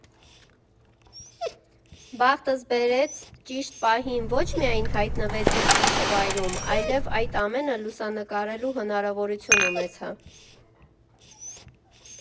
Բախտս բերեց՝ ճիշտ պահին ոչ միայն հայտնվեցի ճիշտ վայրում, այլև այդ ամենը լուսանկարելու հնարավորություն ունեցա։